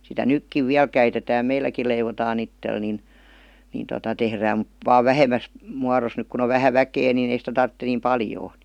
sitä nytkin vielä käytetään meilläkin leivotaan itselle niin niin tuota tehdään mutta vain vähemmässä muodossa nyt kun on vähän väkeä niin ei sitä tarvitse niin paljoa